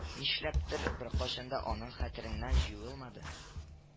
Нишләптер, беркайчан да аның хәтереннән җуелмады